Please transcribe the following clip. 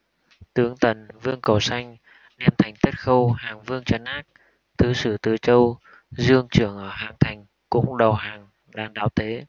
tướng tần vương cẩu sanh đem thành tất khâu hàng vương trấn ác thứ sử từ châu diêu chưởng ở hạng thành cũng đầu hàng đàn đạo tế